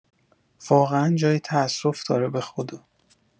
واقعا جای تاسف داره بخدا